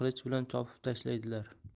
uni qilich bilan chopib tashlaydilar